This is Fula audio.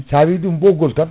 sa wiɗum ɓoggol tan